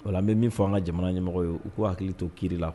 An bɛ min fɔ an ka jamana ɲɛmɔgɔ ye u ko hakili t to kiri la